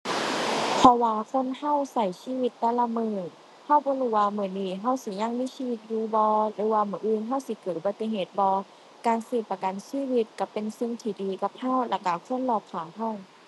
เพราะว่าคนเราเราชีวิตแต่ละมื้อ เราบ่รู้ว่ามื้อนี้เราสิยังมีชีวิตอยู่บ่หรือว่ามื้ออื่นเราสิเกิดอุบัติเหตุบ่ การซื้อประกันชีวิตเราเป็นสิ่งที่ดีกับเราแล้วเราคนรอบข้างเรา